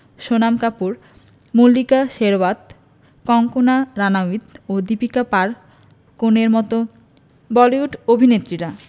সোনম কাপুর মল্লিকা শেরওয়াত কঙ্গনা রানাউত ও দীপিকা পাড়–কোনের মতো বলিউড অভিনেত্রীরা